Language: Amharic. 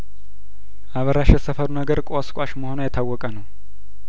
አበራሽ የሰፈሩ ነገር ቆስቋሽ መሆኗ የታወቀ ነው